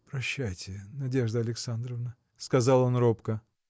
– Прощайте, Надежда Александровна, – сказал он робко.